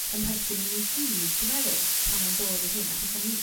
yn perthyn i ni gyd dwi meddwl pan mae'n dod i hyn achos 'da' ni